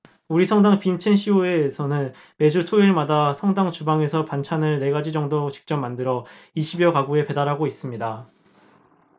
우리 성당 빈첸시오회에서는 매주 토요일마다 성당 주방에서 반찬을 네 가지 정도 직접 만들어 이십 여 가구에 배달하고 있습니다